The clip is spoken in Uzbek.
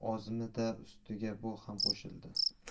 ozmidi ustiga bu ham qo'shildi